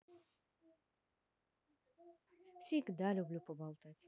всегда люблю поболтать